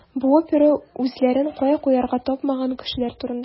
Бу опера үзләрен кая куярга тапмаган кешеләр турында.